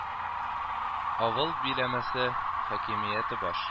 Авыл биләмәсе хакимияте баш